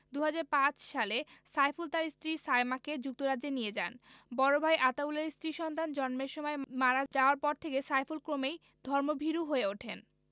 ২০০৫ সালে সাইফুল তাঁর স্ত্রী সায়মাকে যুক্তরাজ্যে নিয়ে যান বড় ভাই আতাউলের স্ত্রী সন্তান জন্মের সময় মারা যাওয়ার পর থেকে সাইফুল ক্রমেই ধর্মভীরু হয়ে ওঠেন